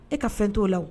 E ka fɛn t'o la